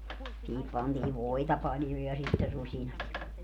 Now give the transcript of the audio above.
siihen pantiin voita paljon ja sitten rusinat ja